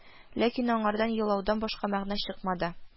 Ләкин аңардан елаудан башка мәгънә чыкмады